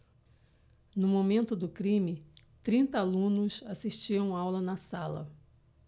no momento do crime trinta alunos assistiam aula na sala